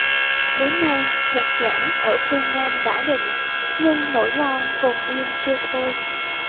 đến nay giặc giã ở phương nam đã định nhưng nỗi lo vùng biên chưa thôi